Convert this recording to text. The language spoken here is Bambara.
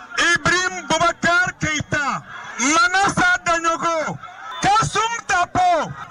Ibrahim Boubacar Keita, Manassa Danioko, Kassim Tapo